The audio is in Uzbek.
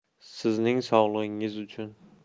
sizning sog'ligingiz uchun